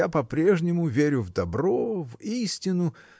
я по-прежнему верю в добро, в истину